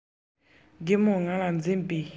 རྒན མོས ང ལ འཛིན པའི